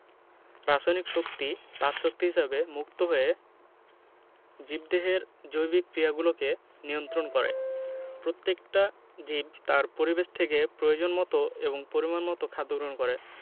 রাসায়নিক শক্তি তাপ শক্তি হিসেবে মুক্ত হয়ে জীবদেহের জৈবিক ক্রিয়াগুলোকে নিয়ন্ত্রন করে প্রত্যেকটা জীব তার পরিবেশ থেকে প্রয়োজনমতো এবং পরিমাণমতো খাদ্য গ্রহণ করে